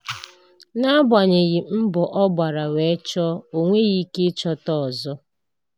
Na-agabgheghị mbọ ọ gbara wee chọọ, o nweghị ike ịchọta ọzọ.